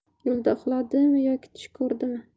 yo'lda uxladimi yo tush ko'rdimi